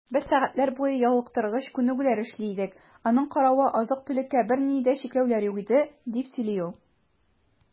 Без сәгатьләр буе ялыктыргыч күнегүләр эшли идек, аның каравы, азык-төлеккә бернинди дә чикләүләр юк иде, - дип сөйли ул.